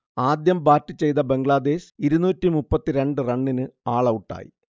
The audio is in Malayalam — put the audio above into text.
ആദ്യം ബാറ്റ് ചെയ്ത ബംഗ്ലാദേശ് ഇരുന്നൂറ്റിമുപ്പത്തിരണ്ട് റണ്ണിന് ഓൾഔട്ടായി